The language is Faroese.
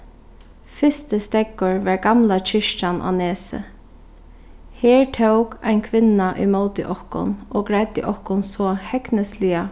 fyrsti steðgur var gamla kirkjan á nesi her tók ein kvinna í móti okkum og greiddi okkum so hegnisliga